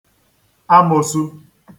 amosu